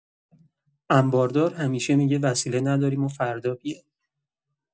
انباردار همیشه می‌گه وسیله نداریم و فردا بیا.